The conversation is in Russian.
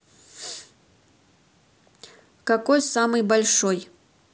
какой самый большой